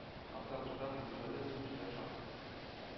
Актаныштан, Бөгелмәдән җиңүчеләр шактый,